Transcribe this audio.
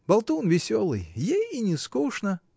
Болтун веселый — ей и не скучно!